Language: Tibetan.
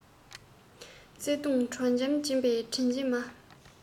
བརྩེ དུང དྲོད འཇམ སྦྱིན པའི དྲིན ཅན མ